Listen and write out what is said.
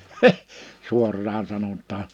suoraan sanotaan